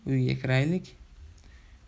uyga kiraylik